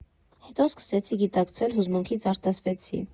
Հետո սկսեցի գիտակցել, հուզմունքից արտասվեցի։